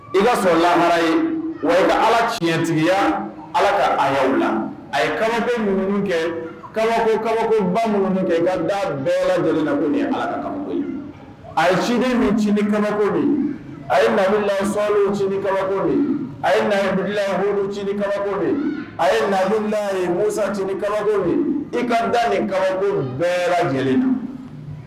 I ka sɔrɔ lahara ye wa ka ala tiɲɛtigiya ala ka ay la a ye kabaden mun kɛ kabako kabakoba minnu kɛ i ka da bɛɛ lajɛlenlako ala ka kabako a ye cc ni kabako a ye namisac kabako nin a ye nauruyan hc kabako a ye nauru ye musac kabako i ka da ni kabako bɛɛ lajɛlen don